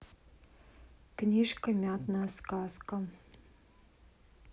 книжка мятная сказка